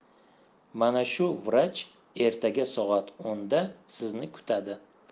mana shu vrach ertaga soat o'nda sizni kutadi